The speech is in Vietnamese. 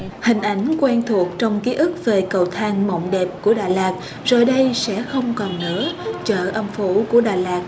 hình ảnh quen thuộc trong ký ức về cầu thang mộng đẹp của đà lạt rồi đây sẽ không còn nữa chợ âm phủ của đà lạt